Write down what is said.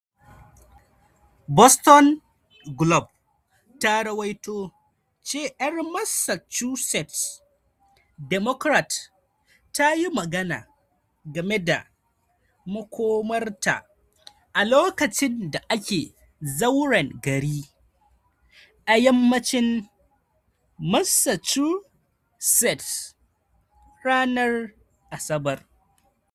Boston Globe ta ruwaito ce ‘yar Massachusetts Democrat tayi magana game da makomarta a lokacin da ake zauren gari a yammacin Massachusetts ranar Asabar.